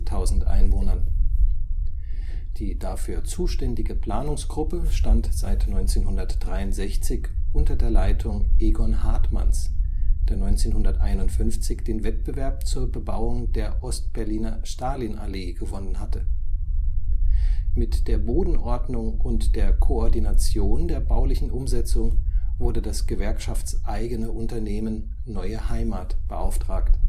70.000) Einwohnern. Die dafür zuständige Planungsgruppe stand seit 1963 unter der Leitung Egon Hartmanns, der 1951 den Wettbewerb zur Bebauung der Ost-Berliner Stalinallee gewonnen hatte. Mit der Bodenordnung und der Koordination der baulichen Umsetzung wurde das gewerkschaftseigene Unternehmen Neue Heimat beauftragt